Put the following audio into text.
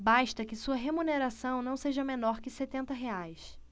basta que sua remuneração não seja menor que setenta reais